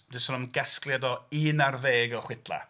Dwi'n sôn am casgliad o un ar ddeg o chwedlau...